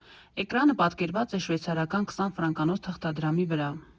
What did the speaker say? Էկրանը պատկերված է շվեյցարական քսան ֆրանկանոց թղթադրամի վրա։